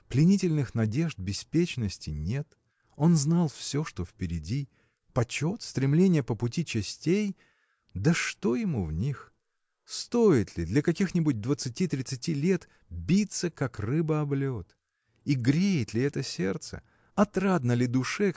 Пленительных надежд, беспечности – нет! он знал все, что впереди. Почет, стремление по пути честей? Да что ему в них. Стоит ли для каких-нибудь двадцати тридцати лет биться как рыба об лед? И греет ли это сердце? Отрадно ли душе